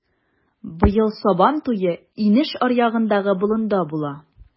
Быел Сабантуе инеш аръягындагы болында була.